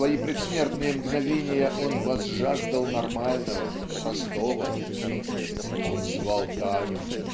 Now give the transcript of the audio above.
в свои предсмертные мгновения он возжаждал нормального простого "он звал Таню